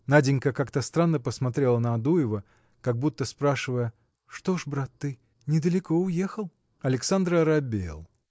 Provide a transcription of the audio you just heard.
Наденька как-то странно посмотрела на Адуева, как будто спрашивая Что ж, брат, ты? недалеко уехал. Александр оробел.